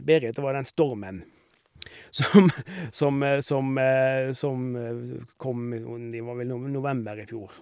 Berit, det var jo den stormen som som som som kom i sånn det var vel nove november i fjor.